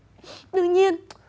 đương nhiên